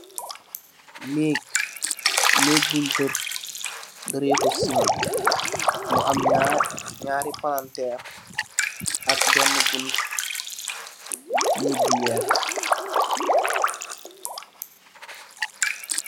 Neek bunj turr dereh ku cima nyarri palanter ak buntu neek bu wekh